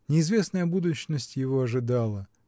Неизвестная будущность его ожидала